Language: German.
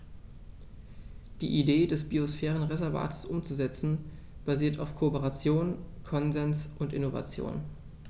Die Idee des Biosphärenreservates umzusetzen, basiert auf Kooperation, Konsens und Innovation.